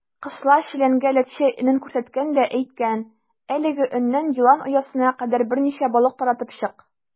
Кысла челәнгә ләтчә өнен күрсәткән дә әйткән: "Әлеге өннән елан оясына кадәр берничә балык таратып чык".